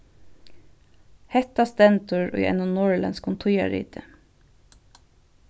hetta stendur í einum norðurlendskum tíðarriti